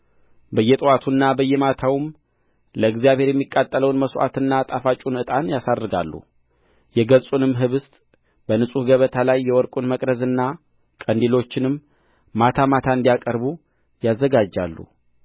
በየጥዋቱና በየማታውም ለእግዚአብሔር የሚቃጠለውን መሥዋዕትና ጣፋጩን ዕጣን ያሳርጋሉ የገጹንም ኅብስት በንጹህ ገበታ ላይ የወርቁን መቅረዝና ቀንዲሎቹንም ማታ ማታ እንዲያበሩ ያዘጋጃሉ